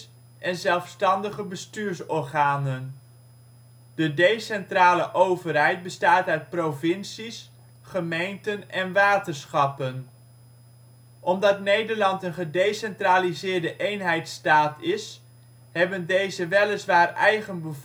en zelfstandige bestuursorganen. De decentrale overheid bestaat uit provincies, gemeenten en waterschappen. Omdat Nederland een gedecentraliseerde eenheidsstaat is, hebben deze weliswaar eigen